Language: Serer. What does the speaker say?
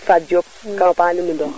Fatou Diop kama paana le Ndoundokh